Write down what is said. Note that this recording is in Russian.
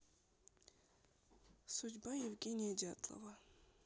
судьба евгения дятлова